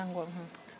tàngoor